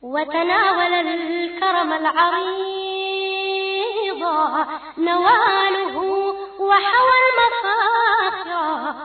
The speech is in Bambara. Wadukɔrɔ mɔbugu wa